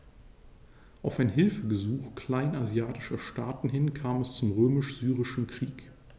Auf ein Hilfegesuch kleinasiatischer Staaten hin kam es zum Römisch-Syrischen Krieg.